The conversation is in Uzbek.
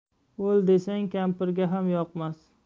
o'l desang kampirga ham yoqmas